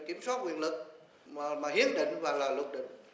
kiểm soát quyền lực mà mà hiến định và là luật định